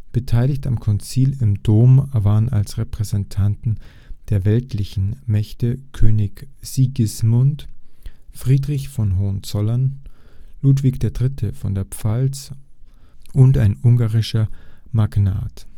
Beteiligt am Konzil im Dom waren als Repräsentanten der weltlichen Mächte König Sigismund, Friedrich von Hohenzollern, Ludwig III. von der Pfalz und ein ungarischer Magnat